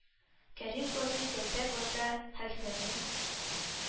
Кәрим казый, Кәлтә Гата хәлфәнең